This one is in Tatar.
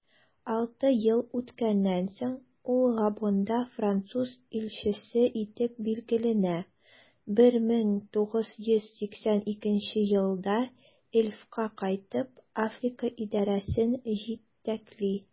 Алты ел үткәннән соң, ул Габонда француз илчесе итеп билгеләнә, 1982 елда Elf'ка кайтып, Африка идарәсен җитәкли.